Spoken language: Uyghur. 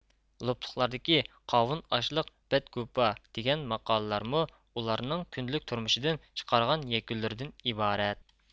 لوپلۇقلاردىكى قاۋۇن ئاشلىق بەدگۇپا دېگەن ماقاللىرىمۇ ئۇلارنىڭ كۈندىلىك تۇرمۇشىدىن چىقارغان يەكۈنلىرىدىن ئىبارەت